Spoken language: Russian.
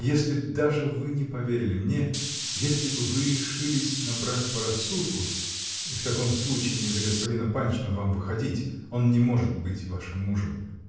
Если б даже вы не поверили мне, если б вы решились на брак по рассудку -- и в таком случае не за господина Паншина вам выходить: он не может быть вашим мужем.